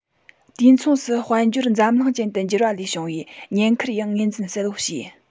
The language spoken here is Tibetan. དུས མཚུངས སུ དཔལ འབྱོར འཛམ གླིང ཅན དུ འགྱུར བ ལས བྱུང བའི ཉེན ཁར ཡང ངོས འཛིན གསལ པོ བྱས